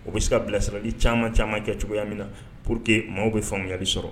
O bɛ se ka bilasirali caman caman kɛ cogoya min na po que maaw bɛ faamuyayali sɔrɔ